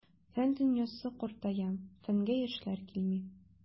Фән дөньясы картая, фәнгә яшьләр килми.